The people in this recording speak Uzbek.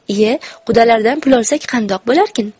ie qudalardan pul olsak qandoq bo'larkin